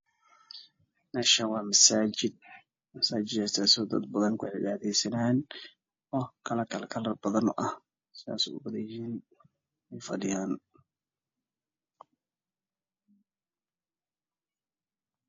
Meeshan waa masaajid waxaa joogo niman waaweyn iyo ilmo yar yar oo odayaal waxa ay fadhiyaan dhulka xooga waa buluug khamiise ayey wataan